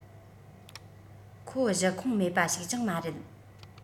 ཁོ གཞི ཁུངས མེད པ ཞིག ཀྱང མ རེད